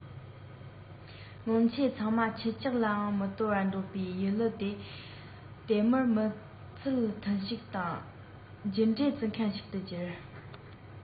སྔོན ཆད ཚང མས ཁྱི སྐྱག ལའང མི དོ བར འདོད པའི ཡུ ལེ ནི དེ མུར མི ཚུལ མཐུན ཞིག དང རྒྱུ འབྲས རྩི མཁན ཞིག ཏུ གྱུར